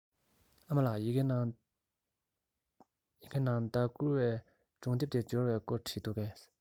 ཨ མ ལགས ཡི གེ ནང ཟླ བསྐུར བའི སྒྲུང དེབ དེ འབྱོར བའི སྐོར བྲིས འདུག གས